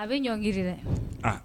A bɛ ɲɔngiri dɛ, a